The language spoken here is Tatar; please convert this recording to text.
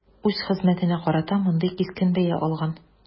Үз хезмәтенә карата мондый кискен бәя алган.